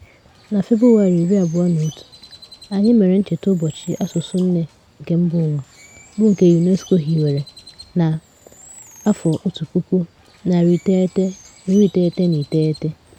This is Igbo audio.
Na Febụwarị 21, anyị mere ncheta Ụbọchị Asụsụ Nne nke Mbaụwa, bụ nke UNESCO hiwere na 1999.